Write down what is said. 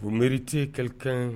O miiriti kalikan